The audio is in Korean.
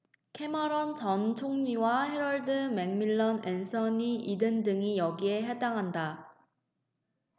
캐머런 전 총리와 해럴드 맥밀런 앤서니 이든 등이 여기에 해당한다